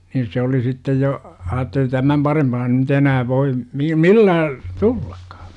niin se oli sitten jo ajatteli tämän parempaa nyt enää voi - millään tullakaan